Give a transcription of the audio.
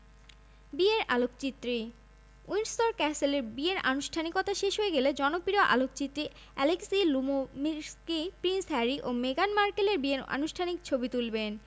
প্রধানমন্ত্রী Theresa May এখন পর্যন্ত কোনো দাওয়াতপত্র পাননি বিয়ের কার্ডের নকশা প্রিন্স হ্যারি ও মেগান মার্কেলের আমন্ত্রণপত্র নকশা করছে লন্ডনের বিখ্যাত বার্নার্ড অ্যান্ড